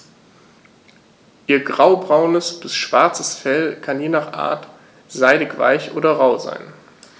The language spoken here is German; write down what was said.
Ihr graubraunes bis schwarzes Fell kann je nach Art seidig-weich oder rau sein.